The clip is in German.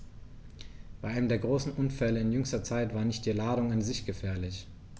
Bei einem der großen Unfälle in jüngster Zeit war nicht die Ladung an sich gefährlich.